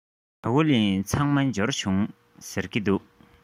ཇ ག ལི ཚང མ འབྱོར བྱུང